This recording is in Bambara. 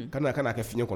Ka na kɛ fiɲɛn kɔnɔ